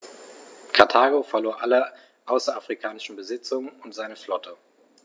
Karthago verlor alle außerafrikanischen Besitzungen und seine Flotte.